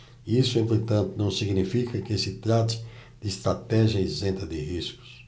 isso entretanto não significa que se trate de estratégia isenta de riscos